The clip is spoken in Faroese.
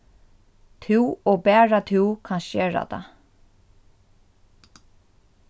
tú og bara tú kanst gera tað